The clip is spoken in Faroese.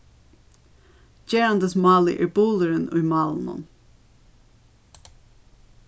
gerandismálið er bulurin í málinum